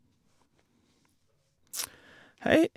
Hei.